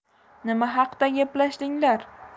nima haqda gaplashdinglar